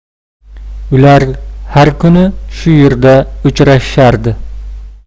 ular har kuni shu yerda uchrashardi